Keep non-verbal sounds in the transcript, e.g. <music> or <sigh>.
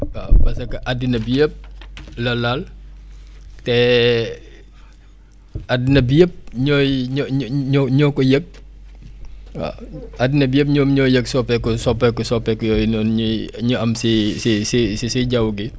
waaw <noise> parce que addina bi yëpp <noise> la laal te <hesitation> addina bi yëpp ñooy ñoo ñoo ko yëg waaw addina bi yëpp ñoom ñoo yëg soppeeku soppeeku soopeeku yooyu noonu ñuy ñu am si si si si si jaww gi